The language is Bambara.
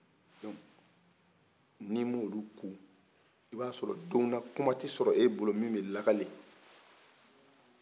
donc ni ma olu ku i ba sɔrɔ don na kuma tɛ sɔrɔ e bolo min bɛ lakale